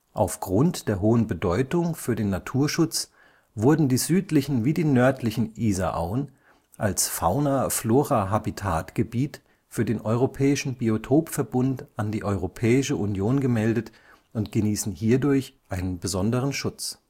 Aufgrund der hohen Bedeutung für den Naturschutz wurden die südlichen wie die nördlichen Isarauen als Fauna-Flora-Habitat-Gebiet (FFH-Gebiet Nr. 7537-301) für den europäischen Biotopverbund an die Europäische Union gemeldet und genießen hierdurch einen besonderen Schutz